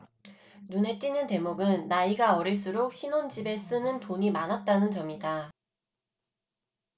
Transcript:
눈에 띄는 대목은 나이가 어릴수록 신혼집에 쓰는 돈이 많았다는 점이다